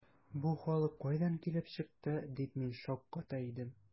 “бу халык кайдан килеп чыкты”, дип мин шакката идем.